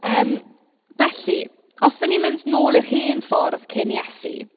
Yym felly os dan ni'n mynd nôl i'r hen ffordd cyn Iesu...